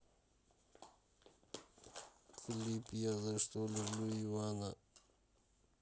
клип я за что люблю ивана